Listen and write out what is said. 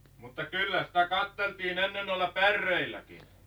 mutta kyllä sitä katseltiin ennen noilla päreilläkin